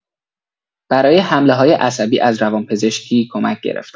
برای حمله‌های عصبی از روان‌پزشکی کمک گرفتم.